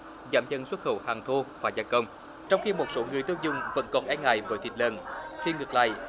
giảm dần xuất khẩu hàng thô hoặc gia công trong khi một số người tiêu dùng vẫn còn e ngại với thịt lợn thì ngược lại